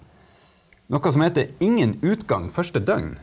noe som heter ingen utgang første døgn.